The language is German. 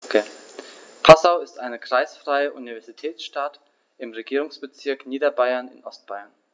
Passau ist eine kreisfreie Universitätsstadt im Regierungsbezirk Niederbayern in Ostbayern.